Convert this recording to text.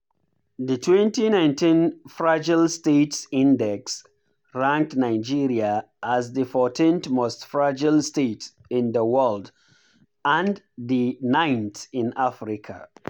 The 2019 Fragile States Index ranked Nigeria as the 14th most fragile state in the world and the ninth in Africa.